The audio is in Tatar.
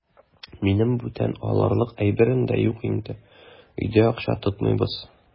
Минем бүтән алырлык әйберем дә юк инде, өйдә акча тотмыйбыз.